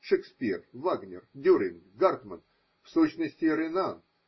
Шекспир, Вагнер, Дюринг, Гартман, в сущности и Ренан